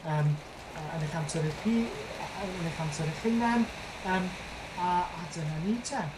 Yym yy yn 'ych amser eich hu- yy yy yn eich amser 'ych hunen. Yym a a dyna ni 'te.